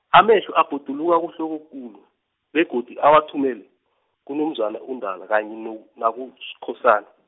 amehlo abhoduluka kuhlokokulu, begodu awathumele, kuNomzana uNdala kanye no- nakuSkhosana.